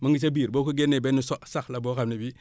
mu ngi ca biir boo ko génnee benn so sax la boo xam ne bii